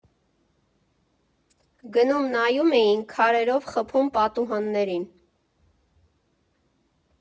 Գնում֊նայում էինք, քարերով խփում պատուհաններին։